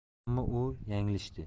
ammo u yanglishdi